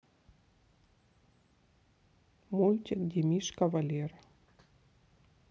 мультик где мишка валера